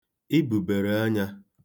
ibùbèràanyā